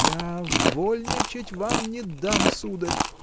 — Я вольничать вам не дам — сударь!